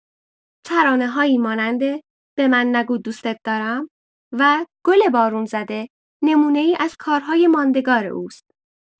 ترانه‌هایی مانند «به من نگو دوست دارم» و «گل بارون‌زده» نمونه‌ای از کارهای ماندگار اوست.